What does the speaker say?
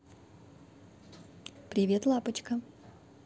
привет лапочка